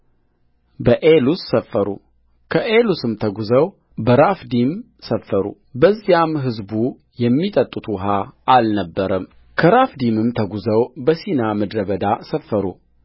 በኤሉስ ሰፈሩከኤሉስም ተጕዘው በራፊዲም ሰፈሩ በዚያም ሕዝቡ የሚጠጡት ውኃ አልነበረምከራፊዲምም ተጕዘው በሲና ምድረ በዳ ሰፈሩ